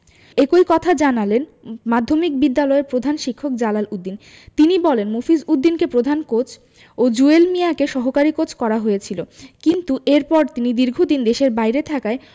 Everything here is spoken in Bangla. একই কথা জানালেন মাধ্যমিক বিদ্যালয়ের প্রধান শিক্ষক জালাল উদ্দিন তিনি বলেন মফিজ উদ্দিনকে প্রধান কোচ ও জুয়েল মিয়াকে সহকারী কোচ করা হয়েছিল কিন্তু এরপর তিনি দীর্ঘদিন দেশের বাইরে থাকায়